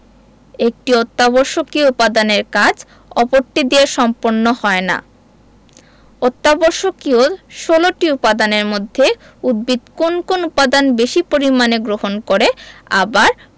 একটি অত্যাবশ্যকীয় উপাদানের কাজ অপরটি দিয়ে সম্পন্ন হয় না অত্যাবশ্যকীয় ১৬ টি উপাদানের মধ্যে উদ্ভিদ কোন কোন উপাদান বেশি পরিমাণে গ্রহণ করে আবার